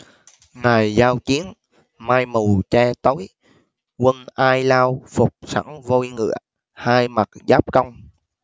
ngày giao chiến mây mù che tối quân ai lao phục sẵn voi ngựa hai mặt giáp công